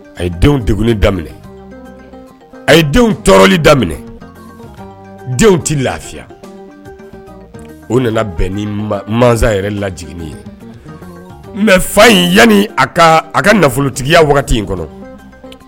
A ye denw deg daminɛ a ye denw tɔɔrɔli daminɛ denw tɛ lafiya o nana bɛn ni masa yɛrɛ laj ye mɛ fa in yanni a a ka nafolotigiya in kɔnɔ